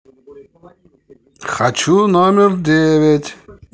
хочу номер девять